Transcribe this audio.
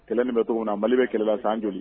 Kɛlɛ nin bɛcogo min na, Mali bɛ kɛlɛsan jol?i